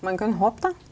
ein kan håpa det.